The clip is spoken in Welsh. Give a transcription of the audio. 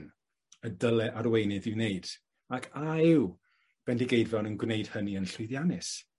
y dyle arweinydd 'i wneud? Ac a yw Bendigeidfran yn gwneud hynny yn llwyddiannus?